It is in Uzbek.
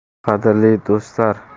qadrli do'stlar